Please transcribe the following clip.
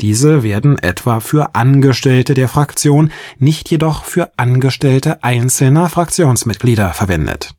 Diese werden etwa für Angestellte der Fraktion, nicht jedoch für Angestellte einzelner Fraktionsmitglieder verwendet